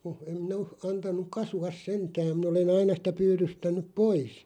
- en minä ole antanut kasvaa sentään minä olen aina sitä pyydystänyt pois